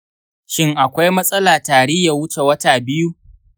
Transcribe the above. shin akwai matsala tari ya wuce wata biyu?